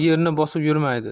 yerni bosib yurmaydi